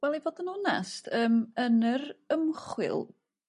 We i fod yn onest yym yn yr ymchwil